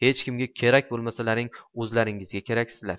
hechkimga kerak bo'lmasalaring o'zlaringga keraksizlar